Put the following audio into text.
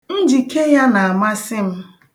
Njike ya na-amasị m.